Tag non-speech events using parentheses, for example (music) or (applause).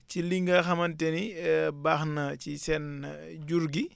ci li nga xamante ni (hesitation) baax na ci seen (hesitation) jur gi